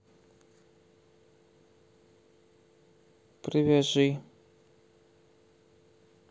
привяжи